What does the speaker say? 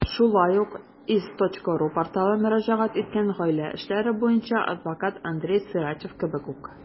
Шулай ук iz.ru порталы мөрәҗәгать иткән гаилә эшләре буенча адвокат Андрей Сарычев кебек үк.